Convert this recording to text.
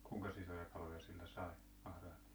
kuinkas isoja kaloja sillä sai atraimella